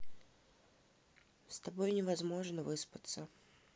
с тобой невозможно выспаться